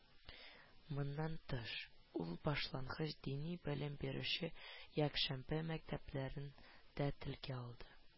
Моннан тыш, ул башлангыч дини белем бирүче якшәмбе мәктәпләрен дә телгә алды